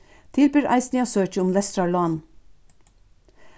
til ber eisini at søkja um lestrarlán